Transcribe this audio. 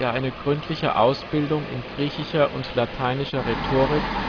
eine gründliche Ausbildung in griechischer und lateinischer Rhetorik